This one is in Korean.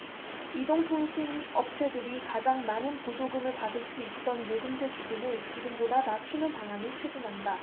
이동통신업체들이 가장 많은 보조금을 받을 수 있던 요금제 기준을 지금보다 낮추는 방안을 추진한다